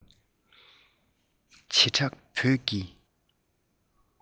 བྱེ བྲག བོད ཀྱི